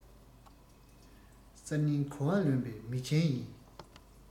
གསར རྙིང གོ བ ལོན པའི མི ཆེན ཡིན